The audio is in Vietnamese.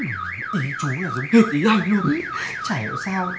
ý chú là giống hệt ý anh luôn ý chả hiểu sao